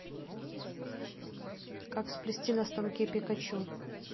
как сплести на станке пикачу